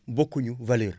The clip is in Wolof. bokkuñu valeur